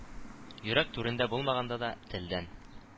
Йөрәк түрендә булмаганда да, телдән